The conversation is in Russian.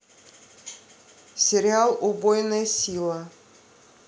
сериал убойная сила